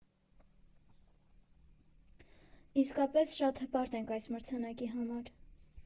«Իսկապես շատ հպարտ ենք այս մրցանակի համար.